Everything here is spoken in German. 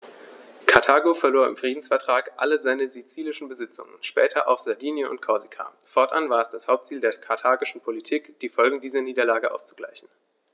Karthago verlor im Friedensvertrag alle seine sizilischen Besitzungen (später auch Sardinien und Korsika); fortan war es das Hauptziel der karthagischen Politik, die Folgen dieser Niederlage auszugleichen.